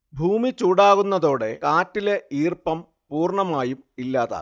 ഭൂമി ചൂടാകുന്നതോടെ കാറ്റിലെ ഈർപ്പം പൂർണമായും ഇല്ലാതാകും